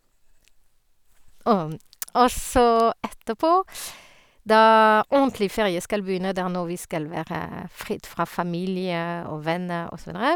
Og så etterpå, da ordentlig ferie skal begynne, der når vi skal være fritt fra familie og venner og så videre.